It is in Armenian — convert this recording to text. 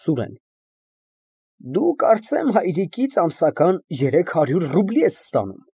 ՍՈՒՐԵՆ ֊ Դու կարծեմ, հայրիկից ամսական երեք հարյուր ռուբլի ես ստանում։